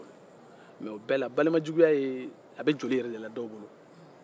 mɛ balimajuguya bɛ joli la dɔw bolo